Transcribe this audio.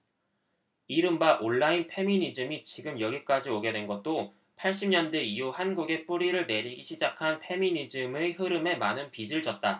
이른바 온라인 페미니즘이 지금 여기까지 오게 된 것도 팔십 년대 이후 한국에 뿌리를 내리기 시작한 페미니즘의 흐름에 많은 빚을 졌다